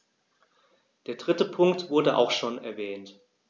Der dritte Punkt wurde auch schon erwähnt.